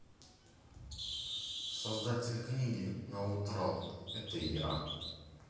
кто твой создатель